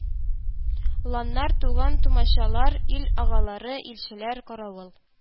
Ланнар, туган-тумачалар, ил агалары, илчеләр, каравыл